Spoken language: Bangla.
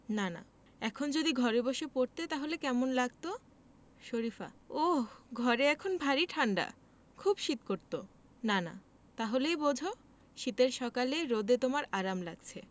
নানা এখন যদি ঘরে বসে পড়তে তাহলে কেমন লাগত শরিফা ওহ ঘরে এখন ভারি ঠাণ্ডা খুব শীত করত নানা তা হলেই বোঝ শীতের সকালে রোদে তোমার আরাম লাগছে